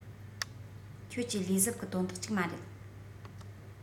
ཁྱོད ཀྱི ལས བཟབ གི དོན དག ཅིག མ རེད